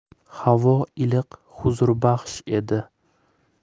havo iliq huzurbaxsh edi